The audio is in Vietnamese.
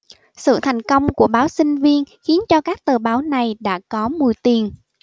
sự thành công của báo sinh viên khiến cho các tờ báo này đã có mùi tiền